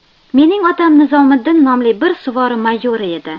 mening otam nizomiddin nomli bir suvori mayori edi